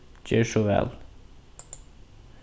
ger so væl